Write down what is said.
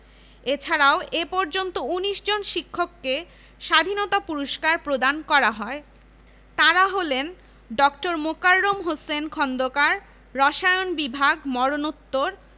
TSC সড়ক দ্বীপে ১৯৮৮ সালে শামীম শিকদার নির্মাণ করেন স্বোপার্জিত স্বাধীনতা ভাস্কর্যটি স্বাধীনতা সংগ্রাম ভাস্কর্যটি শামীম শিকদার নির্মাণ করেন